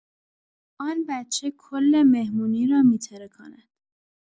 آن بچه کل مهمونی را می‌ترکاند